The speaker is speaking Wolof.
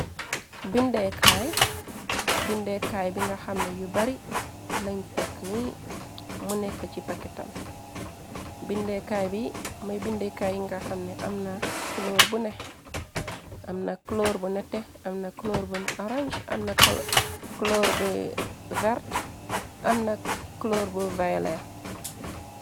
Bindekaay, bindekaay bi nga xamna yu bari lañ tekk ni mu nekk ci pakitam bindeekaay bi mooy bindekaay nga xamne amna color bu nex am na colore bu nete amna colore bu orange amna clore bu verte amna colore bu vile.